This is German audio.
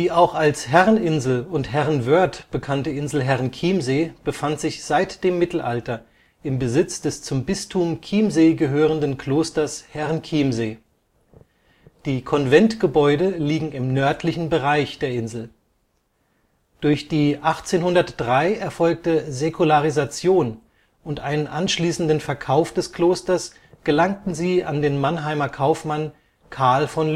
auch als Herreninsel und Herrenwörth bekannte Insel Herrenchiemsee befand sich seit dem Mittelalter im Besitz des zum Bistum Chiemsee gehörenden Klosters Herrenchiemsee. Die Konventgebäude liegen im nördlichen Bereich der Insel. Durch die 1803 erfolgte Säkularisation und einen anschließenden Verkauf des Klosters gelangten sie an den Mannheimer Kaufmann Carl von